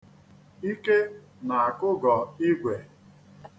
Ike na-akụgọ igwe.